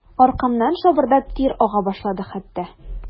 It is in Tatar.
Аркамнан шабырдап тир ага башлады хәтта.